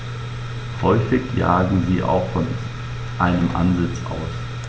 Häufig jagen sie auch von einem Ansitz aus.